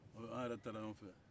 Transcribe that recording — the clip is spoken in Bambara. an yɛrɛ taara ɲɔgɔnfɛ